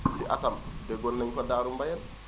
si atam déggoon nañu ko Darou Mbayeen